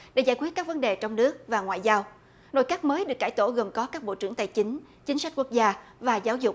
để giải quyết các vấn đề trong nước và ngoại giao nội các mới được cải tổ gồm có các bộ trưởng tài chính chính sách quốc gia và giáo dục